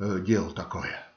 дело такое.